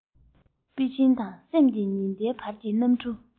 པེ ཅིན དང སེམས ཀྱི ཉི ཟླའི བར གྱི གནམ གྲུ